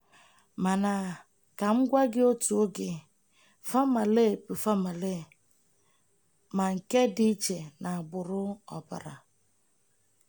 Mana, ka m gwa gị otu oge, famalay bụ famalay ma nke dị iche n'agbụrụ ọbara